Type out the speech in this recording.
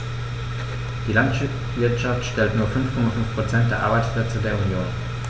Die Landwirtschaft stellt nur 5,5 % der Arbeitsplätze der Union.